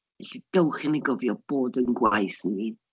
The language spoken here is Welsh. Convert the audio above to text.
Felly dewch i ni gofio bodein gwaith ni.